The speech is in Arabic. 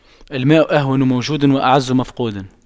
الماء أهون موجود وأعز مفقود